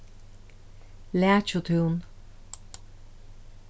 lækjutún